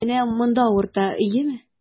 Менә монда авырта, әйеме?